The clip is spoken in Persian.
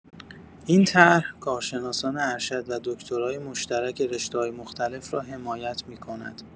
این طرح، کارشناسی‌ارشد و دکترای مشترک رشته‌های مختلف را حمایت می‌کند.